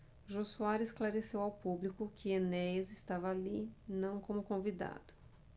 jô soares esclareceu ao público que enéas estava ali não como convidado